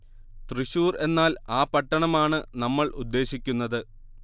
തൃശ്ശൂർ എന്നാൽ ആ പട്ടണം ആണ് നമ്മൾ ഉദ്ദേശിക്കുന്നത്